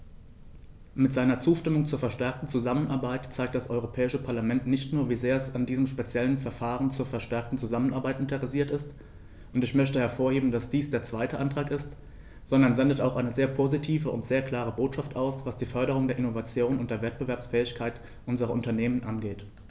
Mit seiner Zustimmung zur verstärkten Zusammenarbeit zeigt das Europäische Parlament nicht nur, wie sehr es an diesem speziellen Verfahren zur verstärkten Zusammenarbeit interessiert ist - und ich möchte hervorheben, dass dies der zweite Antrag ist -, sondern sendet auch eine sehr positive und sehr klare Botschaft aus, was die Förderung der Innovation und der Wettbewerbsfähigkeit unserer Unternehmen angeht.